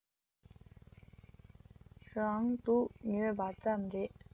རང སྡུག ཉོས པ ཙམ རེད